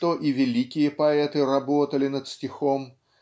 что и великие поэты работали над стихом